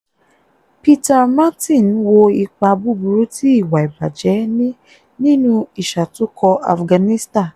Peter Martin wo ipa búburú tí ìwà ìbàjẹ́ ní nínú ìṣàtúnkọ́ Afghanistan.